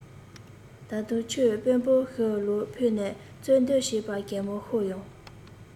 ད དུང ཁྱོད དཔོན པོར ཞུ ལོག ཕུལ ནས རྩོད འདོད བྱེད པ གད མོ ཤོར ཡོང